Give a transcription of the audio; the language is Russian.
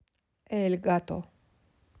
эль гато